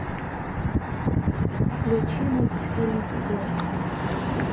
включи мультфильм про